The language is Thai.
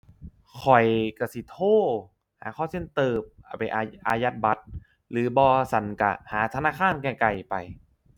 ข้อยก็สิโทรหา call center เอ่อ ไปอา อายัดบัตร หรือบ่ซั้นก็หาธนาคารใกล้ใกล้ไป